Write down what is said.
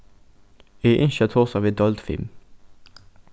eg ynski at tosa við deild fimm